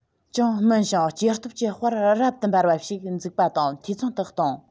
ཅུང སྨིན ཞིང སྐྱེ སྟོབས ཀྱི དཔལ རབ ཏུ འབར བ ཞིག འཛུགས པ དང འཐུས ཚང དུ གཏོང